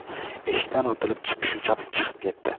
eshikdan otilib chopib chiqib ketdi